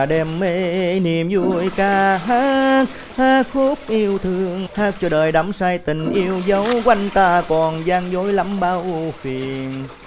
đem may ý niềm dui ca hát hát khúc yêu thương hát cho đời đắm say tình yêu dấu quanh ta còn gian dối lắm bao ưu phiền